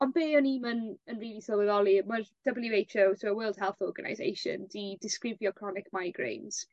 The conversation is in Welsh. On' be' o'n i'm yn yn rili sylweddoli ma'r Double-you Haitch Owe so y World Health Organization 'di disgrifio chronic migraines